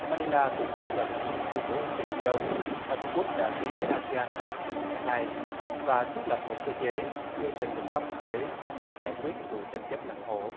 ma ni la cũng kêu gọi thực hiện tuyên bố ứng xử biển đông mà trung quốc đã ký với a sê an năm hai nghìn lẻ hai và thiết lập một cơ chế dựa trên luật pháp quốc tế để giải quyết những vụ tranh chấp lãnh thổ